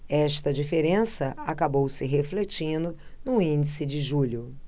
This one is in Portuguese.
esta diferença acabou se refletindo no índice de julho